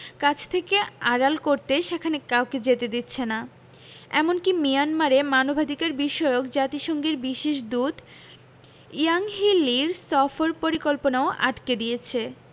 কাছ থেকে আড়াল করতে সেখানে কাউকে যেতে দিচ্ছে না এমনকি মিয়ানমারে মানবাধিকারবিষয়ক জাতিসংঘের বিশেষ দূত ইয়াংহি লির সফর পরিকল্পনাও আটকে দিয়েছে